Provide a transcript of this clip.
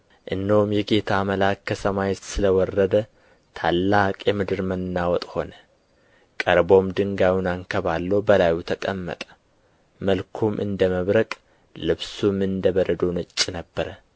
እነሆም የጌታ መልአክ ከሰማይ ስለ ወረደ ታላቅ የምድር መናወጥ ሆነ ቀርቦም ድንጋዩን አንከባሎ በላዩ ተቀመጠ መልኩም እንደ መብረቅ ልብሱም እንደ በረዶ ነጭ ነበረ